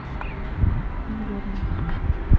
модерном